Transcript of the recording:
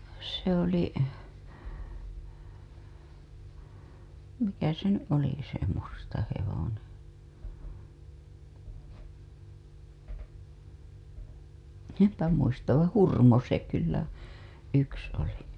se oli mikä se nyt olikin se musta hevonen en muista vaan Hurmo se kyllä yksi oli